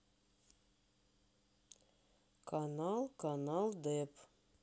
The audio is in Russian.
канал канал дэп